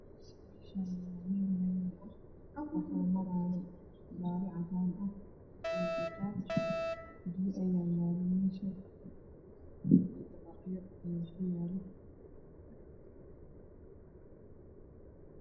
Meeshaani waa meel laami ah waxaa marayo gaari cadaan iyo bajaaj biyo ayaa yaalo meesha iyo dabaqyo